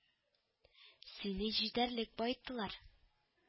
— сине җитәрлек баеттылар